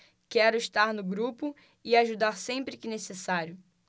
quero estar no grupo e ajudar sempre que necessário